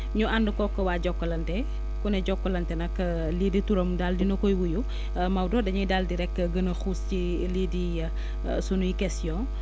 ñu ànd koog waa Jokalante ku ne Jokalante nag lii di turam daal di na koy wuyu Maodo dañuy daal di rek gën a xuus si lii di sunuy questions